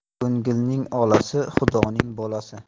ko'ngilning olasi xudoning balosi